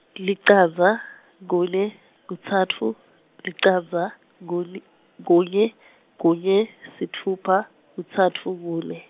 licandza, kune , kutsatfu, licandza, kun-, kunye, kunye, sitfupha, kutsatfu, kune.